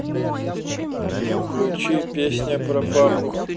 включи песня про папу